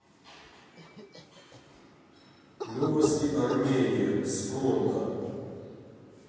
новости армения с фронта